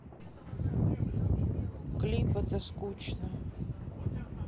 клип эго скучаю